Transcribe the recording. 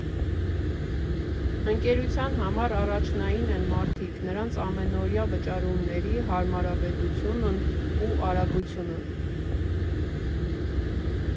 Ընկերության համար առաջնային են մարդիկ, նրանց ամենօրյա վճարումների հարմարավետությունն ու արագությունը։